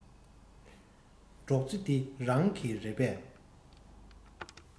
སྒྲོག རྩེ འདི རང གི རེད པས